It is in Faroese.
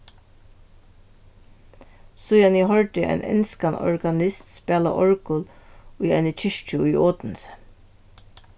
síðan eg hoyrdi ein enskan organist spæla orgul í eini kirkju í odense